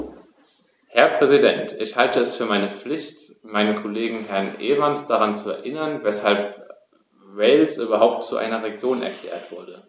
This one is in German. Herr Präsident, ich halte es für meine Pflicht, meinen Kollegen Herrn Evans daran zu erinnern, weshalb Wales überhaupt zu einer Region erklärt wurde.